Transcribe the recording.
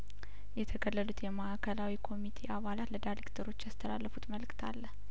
የተገለሉት የማእከላዊ ኮሚቴ አባላት ለካድሬዎች ያስተላለፉት መልእክት አለ